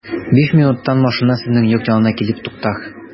Биш минуттан машина сезнең йорт янына килеп туктар.